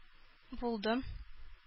Булдым